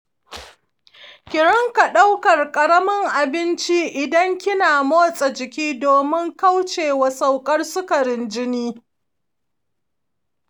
ki riƙa ɗaukar ƙaramin abin ci idan kina motsa jiki domin kauce wa saukar sukarin jini.